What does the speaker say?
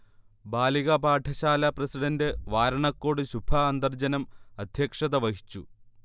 ബാലികാപാഠശാല president Varanakkode Shubha അന്തർജനം അധ്യക്ഷത വഹിച്ചു